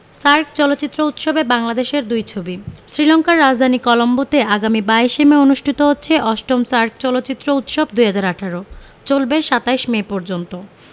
SAARC চলচ্চিত্র উৎসবে বাংলাদেশের দুই ছবি শ্রীলংকার রাজধানী কলম্বোতে আগামী ২২ শে মে অনুষ্ঠিত হচ্ছে ৮ম সার্ক চলচ্চিত্র উৎসব ২০১৮ চলবে ২৭ মে পর্যন্ত